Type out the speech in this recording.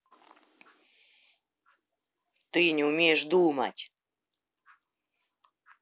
ты не умеешь думать